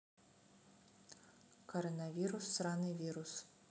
коронавирус сраный вирус